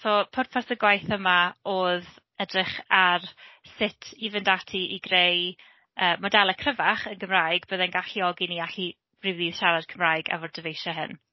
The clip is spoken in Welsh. So pwrpas y gwaith yma oedd edrych ar sut i fynd ati i greu yy modelau cryfach yn Gymraeg, byddai'n galluogi ni allu ryw ddydd siarad Cymraeg efo'r dyfeisiau hyn.